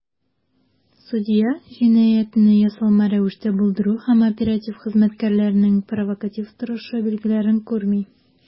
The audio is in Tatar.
Судья "җинаятьне ясалма рәвештә булдыру" һәм "оператив хезмәткәрләрнең провокатив торышы" билгеләрен күрми.